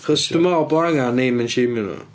Achos dwi'n meddwl bod angen name and sieimio nhw.